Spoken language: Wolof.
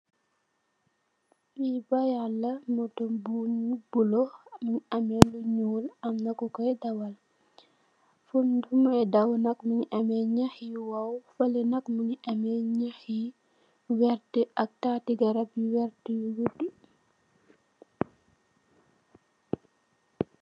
Fee bayal la motou bu bulo mu ameh lu nuul amna kukoy dawal fumuye daw nak muge ameh ñax yu waaw fele nak muge ameh ñax yu werte ak tate garab yu werte yu goudu.